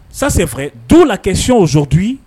ça c'est vrai d'où la question aujourd'hui